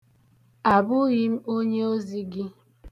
Abụghị onyeozi gị.